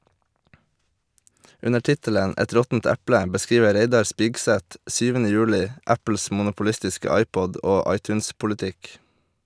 Under tittelen "Et råttent eple" beskriver Reidar Spigseth 7. juli Apples monopolistiske iPod- og iTunes-politikk.